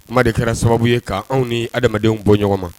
Kuma de kɛra sababu ye' anw ni adamadamadenw bɔ ɲɔgɔn ma